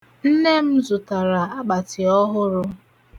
Nne m zụtara akpatị ọhụrụ.